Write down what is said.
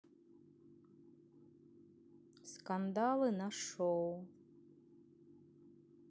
скандалы на шоу